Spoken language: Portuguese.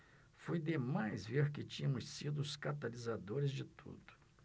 foi demais ver que tínhamos sido os catalisadores de tudo